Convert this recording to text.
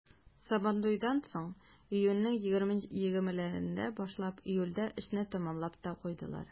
Сабантуйдан соң, июньнең 20-ләрендә башлап, июльдә эшне тәмамлап та куйдылар.